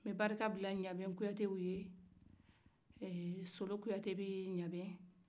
an bɛ barika bila ɲabɛ kuyatew ye ɛɛ solo kuyate bɛ ɲabɛ